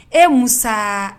E mun sa